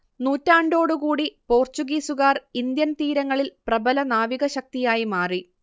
നൂറ്റാണ്ടോടുകൂടി പോർച്ചുഗീസുകാർ ഇന്ത്യൻതീരങ്ങളിൽ പ്രബല നാവികശക്തിയായി മാറി